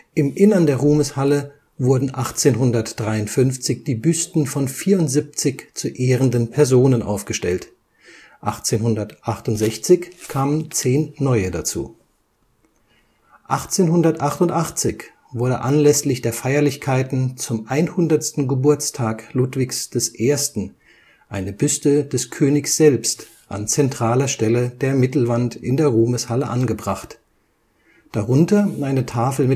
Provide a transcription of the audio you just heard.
Im Inneren der Ruhmeshalle wurden 1853 die Büsten von 74 zu ehrenden Personen aufgestellt, 1868 kamen zehn neue hinzu. 1888 wurde anlässlich der Feierlichkeiten zum 100. Geburtstag Ludwigs I. eine Büste des Königs selbst an zentraler Stelle der Mittelwand in der Ruhmeshalle angebracht, darunter eine Tafel